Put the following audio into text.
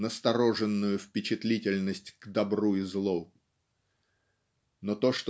настороженную впечатлительность к добру и злу. Но то